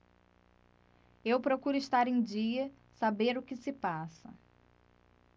eu procuro estar em dia saber o que se passa